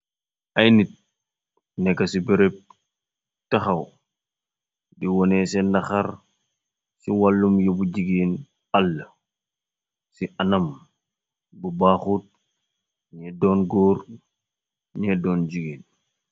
Ay nit nekka ci bereb taxaw di wone seen naxar ci wàllum yobu jigeen àll ci anam bu baaxuut gñee doon góor ñee doon jigéen.